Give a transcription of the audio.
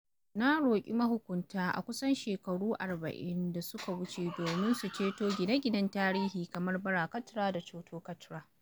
Na roƙi mahukunta a kusan shekaru arba'in da suka wuce domin su ceto gine-ginen tarihi kamar Bara Katra da Choto Katra.